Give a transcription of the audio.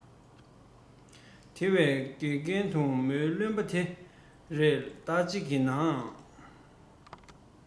དེ བས དགེ རྒན དུང མོའི བརྩོན པ དེ རེས ཟླ གཅིག ཡིན ནའང